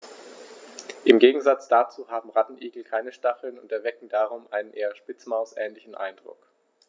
Im Gegensatz dazu haben Rattenigel keine Stacheln und erwecken darum einen eher Spitzmaus-ähnlichen Eindruck.